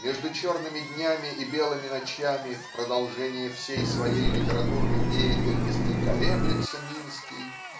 между черными днями и белыми ночами в продолжение всей своей литературной деятельности колеблется Минский